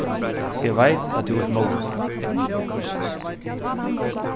eg veit at tú ert móður